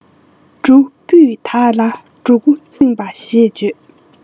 འབྲུ སྤུས དག ལ འབྲུ སྒོ ཚིངས པ ཞེས བརྗོད